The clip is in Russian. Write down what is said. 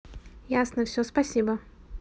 ясно все спасибо